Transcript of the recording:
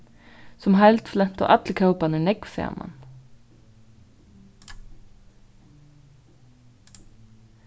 sum heild flentu allir kóparnir nógv saman